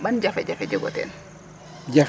Ban jafe jafe jeg o teen?